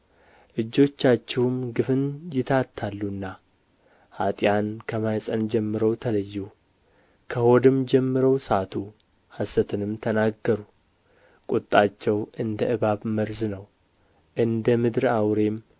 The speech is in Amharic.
እጆቻችሁም ግፍን ይታታሉና ኅጥኣን ከማኅፀን ጀምረው ተለዩ ከሆድም ጀምረው ሳቱ ሐሰትንም ተናገሩ ቍጣቸው እንደ እባብ መርዝ ነው እንደ ምድር አውሬም